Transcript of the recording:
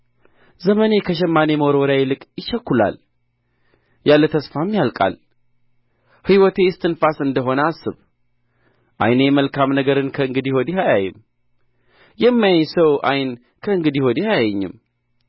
ዘመኔ ከሸማኔ መወርወርያ ይልቅ ይቸኵላል ያለ ተስፋም ያልቃል ሕይወቴ እስትንፋስ እንደ ሆነ አስብ ዓይኔ መልካም ነገርን ከእንግዲህ ወዲህ አያይም የሚያየኝ ሰው ዓይን ከእንግዲህ ወዲህ አያየኝም